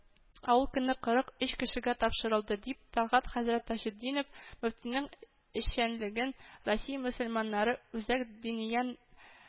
Ә ул көнне кырык оч кешегә тапшырылды, дип, тәлгать хәзрәт таҗетдинов мөфтинең эшчәнлеген россия мөселманнары үзәк диния